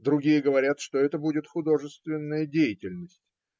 Другие говорят, что это будет художественная деятельность.